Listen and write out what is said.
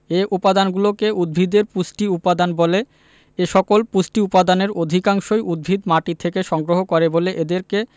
এ উপাদানগুলোকে উদ্ভিদের পুষ্টি উপাদান বলে এসকল পুষ্টি উপাদানের অধিকাংশই উদ্ভিদ মাটি থেকে সংগ্রহ করে বলে এদেরকে